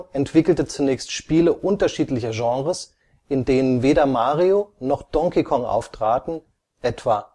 entwickelte zunächst Spiele unterschiedlicher Genres, in denen weder Mario noch Donkey Kong auftraten, etwa